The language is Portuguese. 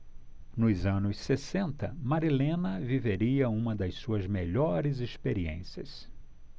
nos anos sessenta marilena viveria uma de suas melhores experiências